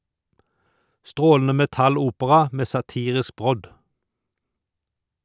Strålende metal-opera med satirisk brodd!